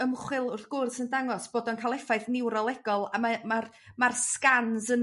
ymchwil wrth gwr yn dangos bod o'n ca'l effaith niwrolegol a mae ma'r ma'r sgans yn